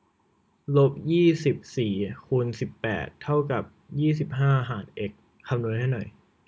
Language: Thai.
ลบยี่สิบสี่คูณสิบแปดเท่ากับยี่สิบห้าหารเอ็กซ์คำนวณให้หน่อย